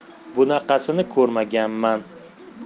bunaqasini ko'rmaganman